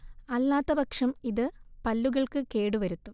അല്ലാത്ത പക്ഷം ഇത് പല്ലുകൾക്കു കേടു വരുത്തും